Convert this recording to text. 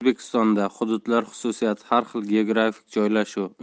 o'zbekistonda hududlar xususiyati har xil geografik joylashuv